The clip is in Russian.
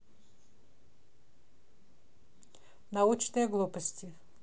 научные глупости